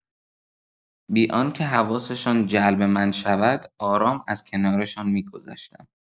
بی‌آنکه حواسشان جلب من شود آرام از کنارشان می‌گذشتم.